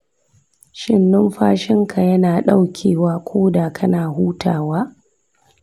shin numfashinka yana daukewa koda kana hutawa?